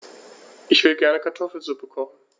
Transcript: Ich will gerne Kartoffelsuppe kochen.